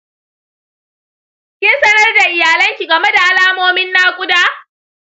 kin sanar da iyalanki game da alamomin naƙuda?